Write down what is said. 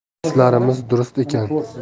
ishlarimiz durust ekan